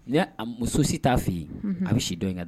N a muso si t'a fɛ yen a bɛ si dɔn ka da